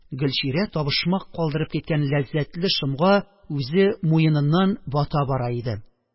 Гөлчирә табышмак калдырып киткән ләззәтле шомга үзе муеннан бата бара иде.